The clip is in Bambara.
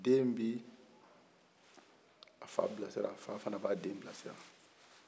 den bi a fa bils sira fa fana ba den bila sira